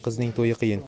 qizning to'yi qiyin